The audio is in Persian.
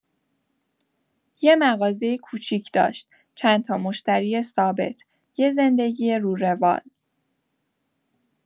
یه مغازه کوچیک داشت، چندتا مشتری ثابت، یه زندگی رو روال.